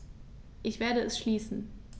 Ich werde es schließen.